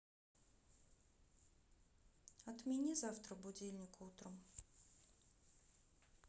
отмени завтра будильник утром